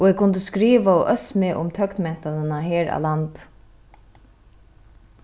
og eg kundi skrivað og øst meg um tøgnmentanina her á landi